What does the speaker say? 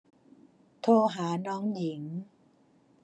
โทรหาน้องหญิง